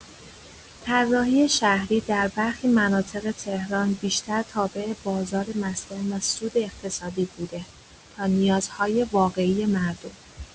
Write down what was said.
طراحی شهری در برخی مناطق تهران بیشتر تابع بازار مسکن و سود اقتصادی بوده تا نیازهای واقعی مردم.